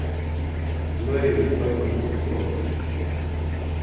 bløðini følna í oktobur